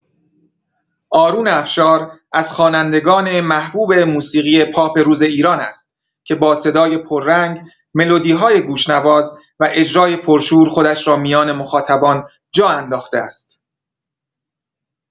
آرون افشار از خوانندگان محبوب موسیقی پاپ روز ایران است که با صدای پررنگ، ملودی‌های گوش‌نواز و اجرای پرشور خودش را میان مخاطبان جا انداخته است.